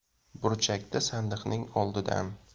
burchakda sandiqning oldidan